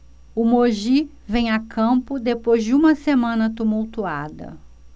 o mogi vem a campo depois de uma semana tumultuada